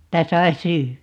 että sai syödä